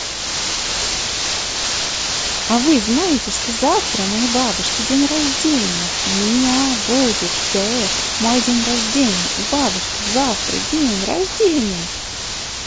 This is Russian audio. а вы знаете что завтра у моей бабушки день рождения у меня будет the мой день рождения у бабушки завтра день рождения